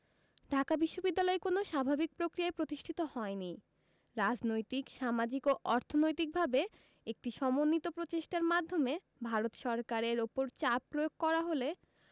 ঢাকা বিশ্ববিদ্যালয় কোনো স্বাভাবিক প্রক্রিয়ায় প্রতিষ্ঠিত হয়নি রাজনৈতিক সামাজিক ও অর্থনৈতিকভাবে একটি সমন্বিত প্রচেষ্টার মাধ্যমে ভারত সরকারের ওপর চাপ প্রয়োগ করা হলে